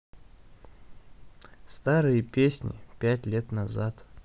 старые песни пять лет назад